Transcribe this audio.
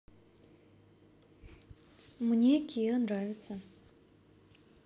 мне киа нравится